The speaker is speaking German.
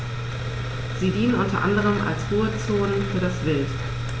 Sie dienen unter anderem als Ruhezonen für das Wild.